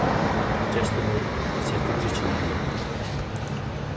gestirnir setti drykkirnar niður